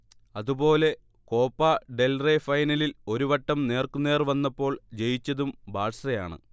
അതുപോലെ Copa del Rey ഫൈനലിൽ ഒരു വട്ടം നേർക്കുനേർ വന്നപ്പോൾ ജയിച്ചതും ബാഴ്സയാണ്